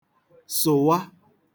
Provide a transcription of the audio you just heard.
sụ̀wa